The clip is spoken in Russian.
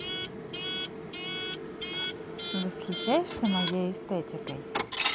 восхищаешься моей эстетикой